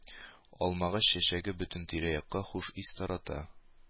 Алмагач чәчәге бөтен тирә-якка хуш ис тарата.